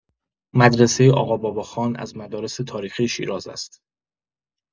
مدرسه آقاباباخان از مدارس تاریخی شیراز است.